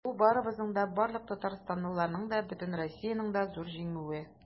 Бу барыбызның да, барлык татарстанлыларның да, бөтен Россиянең дә зур җиңүе.